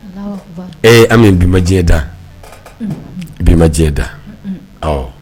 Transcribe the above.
Ami bi man diyɛn da bi man diyɛn da